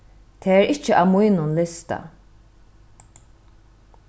tað er ikki á mínum lista